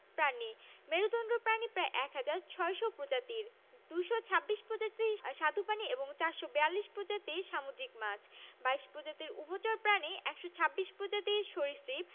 প্রাণীঃ মেরুদন্ডী প্রাণী প্রায় ১হাজার ৬০০ প্রজাতির ২২৬ প্রজাতির স্বাদু পানির এবং ৪৪২ প্রজাতির সামুদ্রিক মাছ ২২ প্রজাতির উভচর প্রাণী ১২৬ প্রজাতির সরীসৃপ